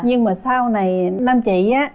nhưng mà sau này nam chị á